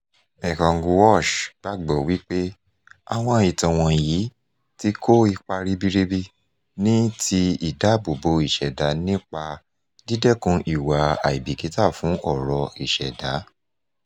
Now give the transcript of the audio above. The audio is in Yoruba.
Mekong Watch gbàgbọ́ wípé àwọn ìtàn wọ̀nyí "ti kó ipa ribiribi ní ti ìdáàbò ìṣẹ̀dá nípa dídẹ́kun ìwà àìbìkítà fún ọrọ̀ ìṣẹ̀dá."